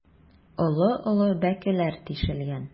Олы-олы бәкеләр тишелгән.